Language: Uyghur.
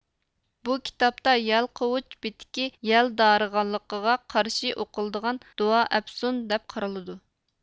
بۇ كىتابتا يەل قوۋۇچ بىتىكى يەل دارېىغانلىقىغا قارشى ئوقۇلىدىغان دۇئا ئەپسۇن دەپ قارىلىدۇ